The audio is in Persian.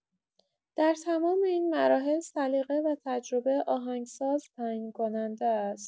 در تمام این مراحل سلیقه و تجربه آهنگساز تعیین‌کننده است.